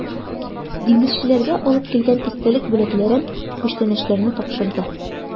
Диңгезчеләргә алып килгән истәлек бүләкләрен, күчтәнәчләрне тапшырды.